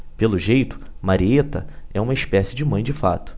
pelo jeito marieta é uma espécie de mãe de fato